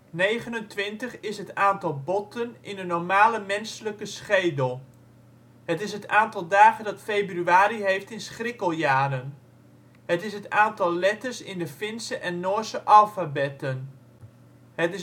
Negenentwintig is: Het aantal botten in een normale menselijke schedel. Het aantal dagen dat februari heeft in schrikkeljaren. Het aantal letters in de Finse en Noorse alfabetten. Het